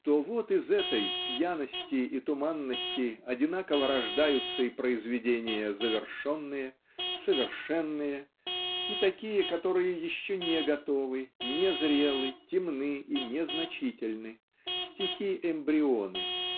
то вот из этой пьяности и туманности одинаково рождаются и произведения завершенные совершенные и такие которые еще не готовы незрелы темны и незначительны стихи-эмбрионы.